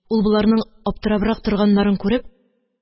Ул, боларның аптырабрак торганнарын күреп: